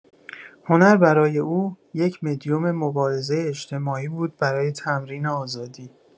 هنر برای او یک مدیوم مبارزه اجتماعی بود برای تمرین آزادی.